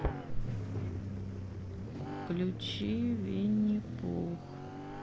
включи мультфильм винни пух